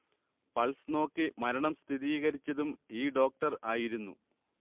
pulse നോക്കി മരണം സ്ഥീരീകരിച്ചതും ഈ ഡോക്ടർ ആയിരുന്നു